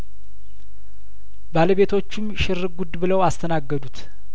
ባለቤቶቹም ሽር ጉድ ብለው አስተናገዱት